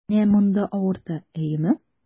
Менә монда авырта, әйеме?